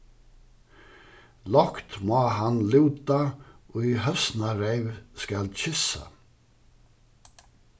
lágt má hann lúta ið høsnareyv skal kyssa